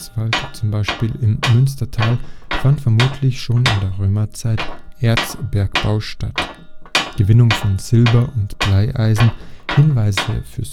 zum Beispiel im Münstertal) fand vermutlich schon in der Römerzeit Erzbergbau statt (Gewinnung von Silber - und Bleierzen, Hinweise für